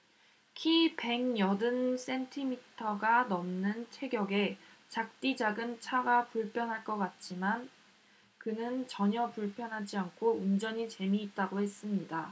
키 백 여든 센티미터가 넘는 체격에 작디 작은 차가 불편할 것 같았지만 그는 전혀 불편하지 않고 운전이 재미있다고 했습니다